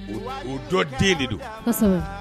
O dɔ den de don